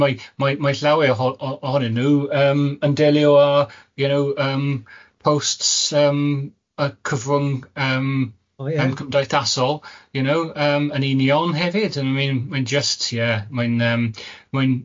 mae llawer o o ohonyn nhw yym yn delio a you know yym posts yym y cyfrwng cymdeithasol... Oh ie. ...you know yym yn union hefyd, and I mean mae'n jyst ie mae'n yym mae'n